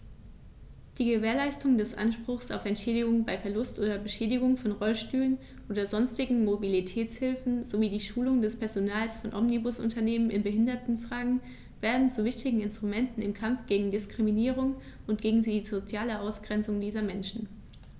Die Gewährleistung des Anspruchs auf Entschädigung bei Verlust oder Beschädigung von Rollstühlen oder sonstigen Mobilitätshilfen sowie die Schulung des Personals von Omnibusunternehmen in Behindertenfragen werden zu wichtigen Instrumenten im Kampf gegen Diskriminierung und gegen die soziale Ausgrenzung dieser Menschen.